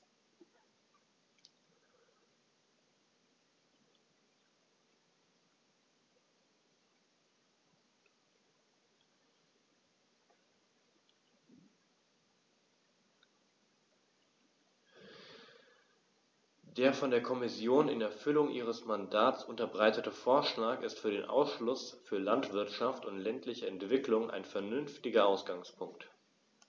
Der von der Kommission in Erfüllung ihres Mandats unterbreitete Vorschlag ist für den Ausschuss für Landwirtschaft und ländliche Entwicklung ein vernünftiger Ausgangspunkt.